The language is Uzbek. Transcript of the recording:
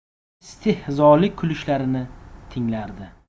istehzoli kulishlarini tinglardi